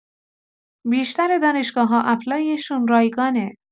بیشتر دانشگاه‌‌ها اپلایشون رایگانه